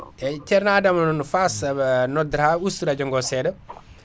eyyi ceerno Adama fass noddata ustu radio ma ngo seeɗa